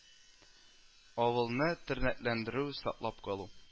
Авылны тернәкләндерү, саклап калу